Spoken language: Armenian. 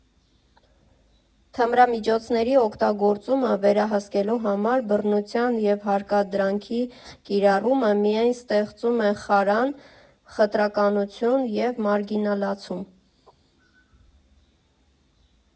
Թմրամիջոցների օգտագործումը վերահսկելու համար բռնության և հարկադրանքի կիրառումը միայն ստեղծում է խարան, խտրականություն և մարգինալացում։